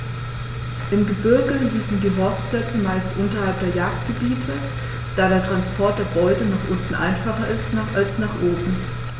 Im Gebirge liegen die Horstplätze meist unterhalb der Jagdgebiete, da der Transport der Beute nach unten einfacher ist als nach oben.